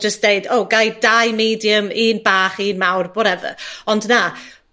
jyst deud o gai dau medium un bach un mawr, whatever, ond na,